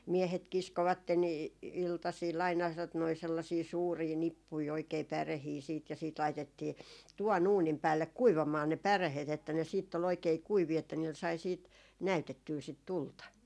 miehet kiskoivat - iltasilla aina tuota noin sellaisia suuria nippuja oikein päreitä sitten ja sitten laitettiin tuvan uunin päälle kuivamaan ne päreet että ne sitten oli oikein kuivia että niillä sai sitten näytettyä sitä tulta